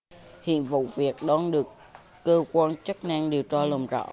hiện vụ việc đang được cơ quan chức năng điều tra làm rõ